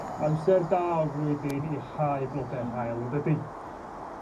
Amser da o'r flwyddyn i hau blode haul yndydi?